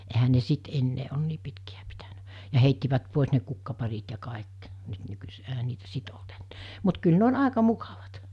eihän ne sitten enää ole niin pitkiä pitänyt ja heittivät pois ne kukkaparit ja kaikki nyt nykyisin eihän niitä sitten ollut enää mutta kyllä ne on aika mukavat